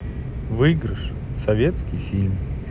розыгрыш советский фильм